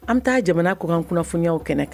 An bɛ taa jamana kɔkan kunnafoniyaw kɛnɛ